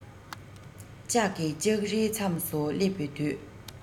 ལྕགས ཀྱི ལྕགས རིའི མཚམས སུ སླེབས པའི དུས